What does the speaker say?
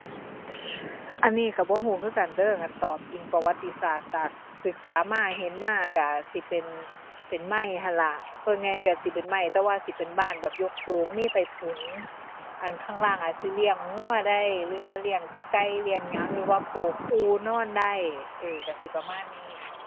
อันนี้ก็บ่ก็คือกันเด้อ คันตอบอิงประวัติศาสตร์จากศึกษามา เห็นมาก็สิเป็น เป็นไม้หั้นล่ะ ส่วนใหญ่ก็สิเป็นไม้ แต่ว่าสิเป็นบ้านแบบยกสูง มีไต้ถุน อั่น ข้างล่างอาจสิเลี้ยงก็ได้ หรือว่าเลี้ยงไก่เลี้ยงหยัง หรือว่าผูกอู่นอนได้ เอ้อ ก็สิประมาณนี้